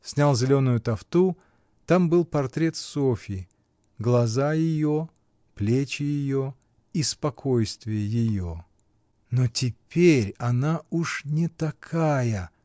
снял зеленую тафту: там был портрет Софьи — глаза ее, плечи ее и спокойствие ее. — Но теперь она уж не такая!